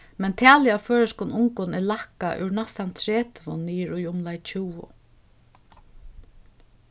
men talið á føroyskum ungum er lækkað úr næstan tretivu niður í umleið tjúgu